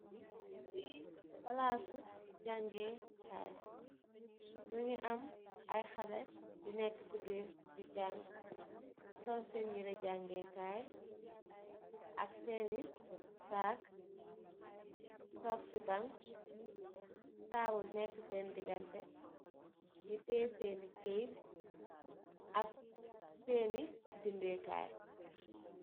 Fii palaa si jaangee kaay la. Mu ngi am ay xalee yu toog si biir di jañgë, sol seen yire yi jaangee kaay ,ak seen i baage. Toog si bañg ak taabul, tiye seen i tëëre ak seen i bindëë kaay.